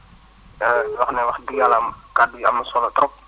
di wax ne wax dëgg yàlla am kaddu yi am na solo trop